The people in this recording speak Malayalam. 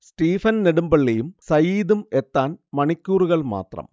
സ്റ്റീഫൻ നെടുമ്ബളളിയും സയീദും എത്താൻ മണിക്കൂറുകൾ മാത്രം